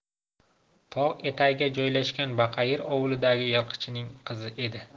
tog' etagiga joylashgan baqayir ovulidagi yilqichining qizi edi